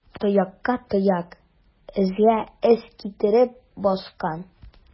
Тоякка тояк, эзгә эз китереп баскан.